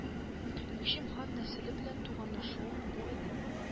Күчем хан нәселе белән туганлашуың бу энем